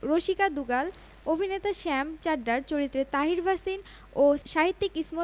ফ্রেমো নন্দিতা ধন্যবাদ জানান তার বাবা চিত্রকর যতীন দাসকে তিনি বলেন আমার জীবনের আমার পরিবারের মান্টো তিনি